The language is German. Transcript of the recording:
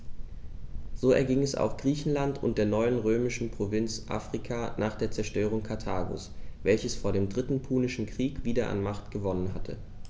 So erging es auch Griechenland und der neuen römischen Provinz Afrika nach der Zerstörung Karthagos, welches vor dem Dritten Punischen Krieg wieder an Macht gewonnen hatte.